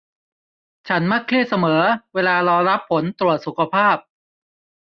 ฉันมักเครียดเสมอเวลารอรับผลตรวจสุขภาพ